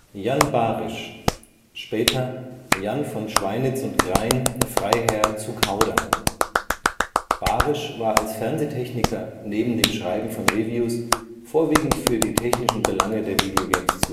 Jan Barysch / von Schweinitz und Krain, Freiherr zu Kaudern Barysch war als Fernsehtechniker, neben dem Schreiben von Reviews, vorwiegend für die technischen Belange der Video Games